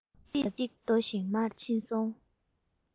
ལྡབ ལྡིབ ཅིག ཟློ བཞིན མར ཕྱིན སོང